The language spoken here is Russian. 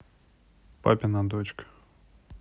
папина дочка